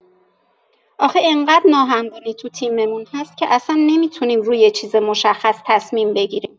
آخه اینقدر ناهمگونی تو تیممون هست که اصلا نمی‌تونیم روی یه چیز مشخص تصمیم بگیریم.